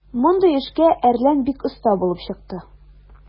Мондый эшкә "Әрлән" бик оста булып чыкты.